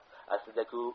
aslida ku